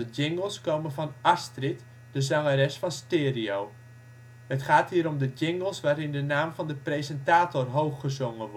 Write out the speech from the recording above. jingles komen van Astrid, de zangeres van Stereo. Het gaat hierom de jingles waarin de naam van de presentator hoog gezongen